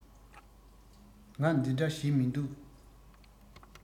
ང འདི འདྲ བྱེད མི འདུག